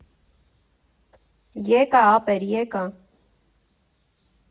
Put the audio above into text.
֊ Եկա, ապեր, եկա…